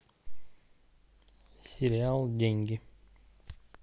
сериал деньги